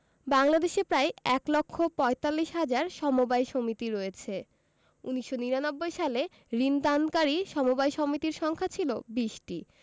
বাংলাদেশে প্রায় এক লক্ষ পয়তাল্লিশ হাজার সমবায় সমিতি রয়েছে ১৯৯৯ সালে ঋণ দানকারী সমবায় সমিতির সংখ্যা ছিল ২০টি